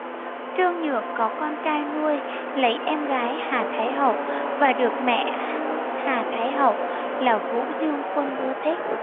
trương nhượng có con trai nuôi lấy em gái hà thái hậu và được mẹ hà thái hậu là vũ dương quân ưa thích